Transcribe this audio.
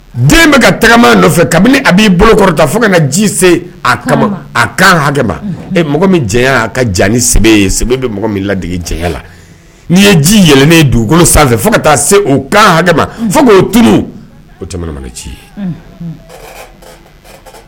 Den bɛ ka tagama nɔfɛ kabini a b'i bolo kɔrɔta fo ka ji a kan hakɛ ma e mɔgɔ ka jan ni sɛbɛn ye bɛ mɔgɔ laigi la ni ye ji yɛlɛlen dugukolo sanfɛ fo ka taa se o kan hakɛma fo tu o ci ye